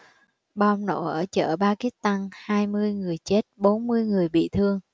bom nổ ở chợ pakistan hai mươi người chết bốn mươi người bị thương